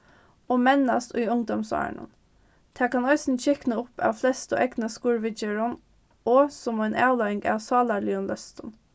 og mennast í ungdómsárunum tað kann eisini kykna upp av flestu eygnaskurðviðgerðum og sum ein avleiðing av sálarligum løstum